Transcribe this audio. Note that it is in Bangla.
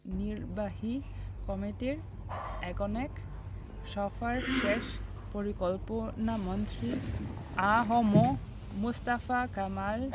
নির্বাহী কমিটির একনেক সভা শেষে পরিকল্পনামন্ত্রী আ হ ম মুস্তফা কামাল